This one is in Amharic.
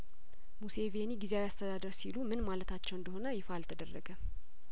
ሙሴቬኒ ጊዜያዊ አስተዳደር ሲሉምን ማለታቸው እንደሆነ ይፋ አልተደረገም